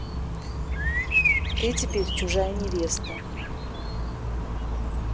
ты теперь чужая невеста